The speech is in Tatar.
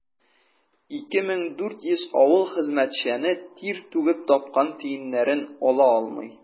2400 авыл хезмәтчәне тир түгеп тапкан тиеннәрен ала алмый.